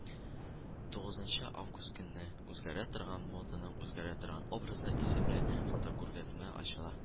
Тугызынчы август көнне “Үзгәрә торган моданың үзгәрә торган образы” исемле фотокүргәзмә ачыла